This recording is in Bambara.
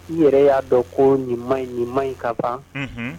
I yɛrɛ y'a dɔn ko nin nin ɲuman in ka pan